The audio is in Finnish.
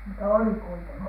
mutta oli kuitenkin